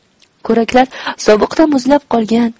ko'raklar sovuqda muzlab qolgan